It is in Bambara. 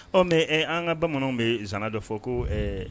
Ɔ mais ɛ an ka bamananw bɛ zana dɔ fɔ ko ɛɛ